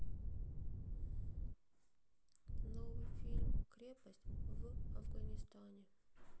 новый фильм крепость в афганистане